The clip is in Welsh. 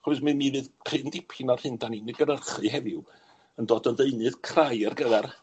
Achos mi mi fydd cryn dipyn o'r hyn 'dan ni'n ei gynyrchu heddiw yn dod o ddeunydd crai ar gyfer